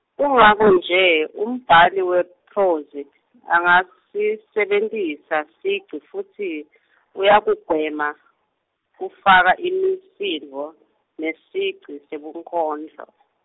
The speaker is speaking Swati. kungako nje umbhali wephrozi angasisebentisi sigci futsi , uyakugwema kufaka imisindvo nesigci sebunkondlo.